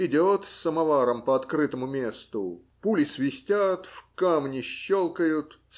Идет с самоваром по открытому месту, пули свистят, в камни щелкают